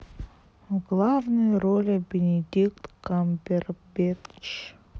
в главной роли бенедикт камбербетч